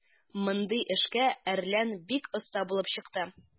Мондый эшкә "Әрлән" бик оста булып чыкты.